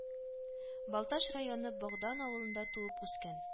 Балтач районы Богдан авылында туып-үскән